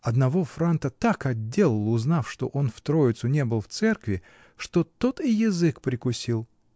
Одного франта так отделал, узнав, что он в Троицу не был в церкви, что тот и язык прикусил.